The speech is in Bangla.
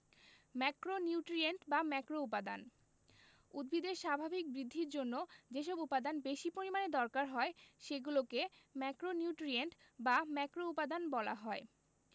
১ ম্যাক্রোনিউট্রিয়েন্ট বা ম্যাক্রোউপাদান উদ্ভিদের স্বাভাবিক বৃদ্ধির জন্য যেসব উপাদান বেশি পরিমাণে দরকার হয় সেগুলোকে ম্যাক্রোনিউট্রিয়েন্ট বা ম্যাক্রোউপাদান বলা হয়